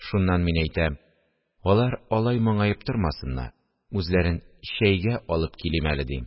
Шуннан мин әйтәм, алар алай моңаеп тормасыннар, үзләрен чәйгә алып килим әле, дим